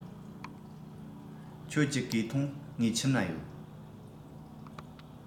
ཁྱོད ཀྱི གོས ཐུང ངའི ཁྱིམ ན ཡོད